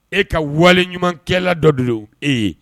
E ka wale ɲumankɛla la dɔdon e ye